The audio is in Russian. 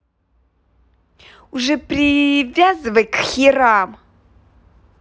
уже привязывай к хренам